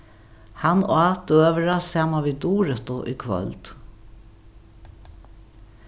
hann át døgurða saman við duritu í kvøld